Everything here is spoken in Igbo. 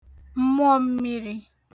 mmụọmmiri